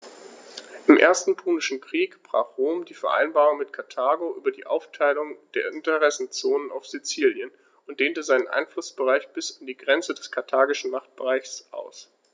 Im Ersten Punischen Krieg brach Rom die Vereinbarung mit Karthago über die Aufteilung der Interessenzonen auf Sizilien und dehnte seinen Einflussbereich bis an die Grenze des karthagischen Machtbereichs aus.